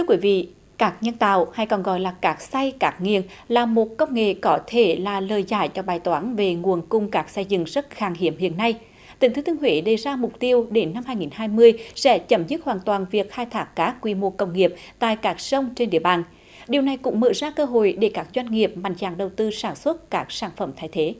thưa quý vị cát nhân tạo hay còn gọi là cát xay cát nghiền là một công nghệ có thể là lời giải cho bài toán về nguồn cung cát xây dựng rất khan hiếm hiện nay tỉnh thừa thiên huế đề ra mục tiêu đến năm hai nghìn hai mươi sẽ chấm dứt hoàn toàn việc khai thác cát quy mô công nghiệp tại các sông trên địa bàn điều này cũng mở ra cơ hội để các doanh nghiệp mạnh dạn đầu tư sản xuất các sản phẩm thay thế